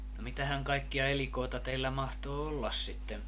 no mitähän kaikkia elikoita teillä mahtoi olla sitten